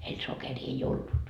heillä sokeria ei ollut